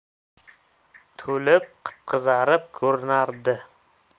to'lib qipqizarib ko'rinardi